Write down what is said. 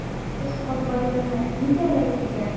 Актер Скотт Байоны нидә гаеплиләр?